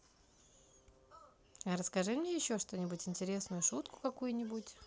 расскажи мне еще что нибудь интересную шутку какую нибудь